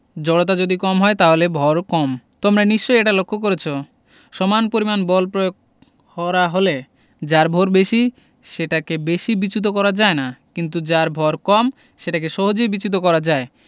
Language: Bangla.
জড়তা যদি কম হয় তাহলে ভরও কম তোমরা নিশ্চয়ই এটা লক্ষ করেছ সমান পরিমাণ বল প্রয়োগ করা হলে যার ভর বেশি সেটাকে বেশি বিচ্যুত করা যায় না কিন্তু যার ভয় কম সেটাকে সহজেই বিচ্যুত করা যায়